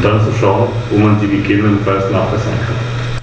Verwendung der Strukturfondsmittel eingehen.